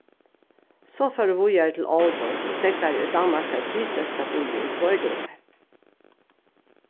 so fór eg víðari til aalborg og steðgaði í danmarkar triðstørsta býi í tveir dagar